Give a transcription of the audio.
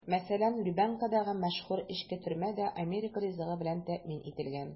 Мәсәлән, Лубянкадагы мәшһүр эчке төрмә дә америка ризыгы белән тәэмин ителгән.